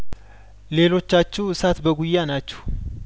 ሌሎቻችሁ እሳት በጉያ ናችሁ